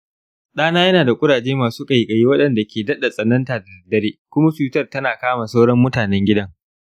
ɗana yana da ƙuraje masu ƙaiƙayi waɗanda ke daɗa tsananta da daddare kuma cutar tana kama sauran mutanen gidan.